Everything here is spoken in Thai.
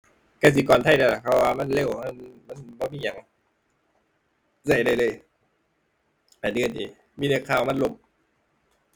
กสิกรไทยเดะล่ะ เขาว่ามันเร็ว มัน มัน บ่มีหยัง ใช้ได้เลย อันอื่นนี่มีแต่ข่าวมันล่ม